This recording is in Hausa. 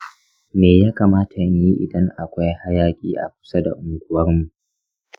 me ya kamata in yi idan akwai hayaƙi a kusa da unguwarmu?